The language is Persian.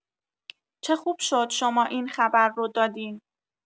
چه خوب شد شما این خبر رو دادین